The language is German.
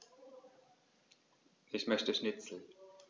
Ich möchte Schnitzel.